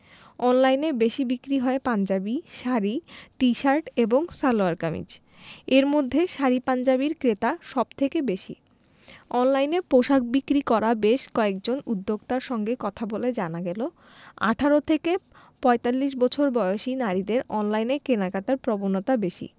অনলাইনে বেশি বিক্রি হয় পাঞ্জাবি শাড়ি টি শার্ট এবং সালোয়ার কামিজ এর মধ্যে শাড়ি পাঞ্জাবির ক্রেতা সব থেকে বেশি অনলাইনে পোশাক বিক্রি করা বেশ কয়েকজন উদ্যোক্তার সঙ্গে কথা বলে জানা গেল ১৮ থেকে ৪৫ বছর বয়সী নারীদের অনলাইনে কেনাকাটার প্রবণতা বেশি